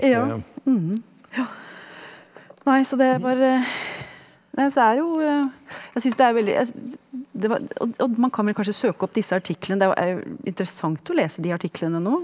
ja ja ja nei så det var nei så er jo jeg syns det er veldig jeg det var og og man kan vel kanskje søke opp disse artiklene, det er interessant å lese de artiklene nå.